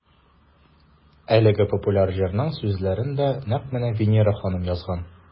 Әлеге популяр җырның сүзләрен дә нәкъ менә Винера ханым язган.